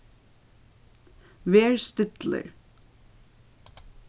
ver stillur